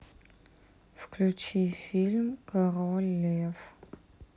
включи фильм король лев